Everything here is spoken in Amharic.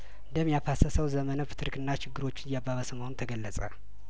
ደም ያፋሰሰው ዘመነ ፕትርክና ችግሮችን እያባባሰ መሆኑ ተገለጸ